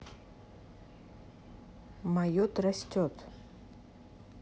mayot растет